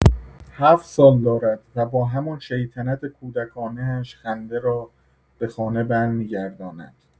هفت سال دارد و با همان شیطنت کودکانه‌اش خنده را به خانه برمی‌گرداند.